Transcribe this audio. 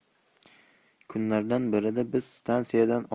kunlardan birida biz stansiyadan